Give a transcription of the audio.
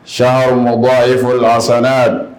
Sabɔ a ye fɔ la sa dɛ